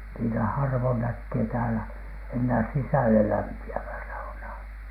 niitä harvoin näkee täällä enää sisällelämpiävää saunaa